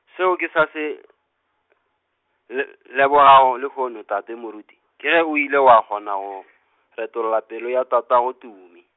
seo ke sa se , l- lebogago le lehono tate Moruti, ke ge o ile wa kgona go, retolla pelo ya tatagoTumi.